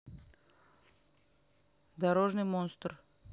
дорожный монстр